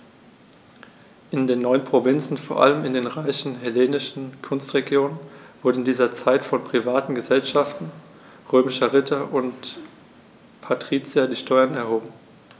In den neuen Provinzen, vor allem in den reichen hellenistischen Küstenregionen, wurden in dieser Zeit von privaten „Gesellschaften“ römischer Ritter und Patrizier die Steuern erhoben.